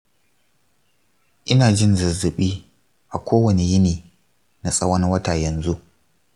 ina jin zazzaɓi a kowani yini na tsawan wata yanzu.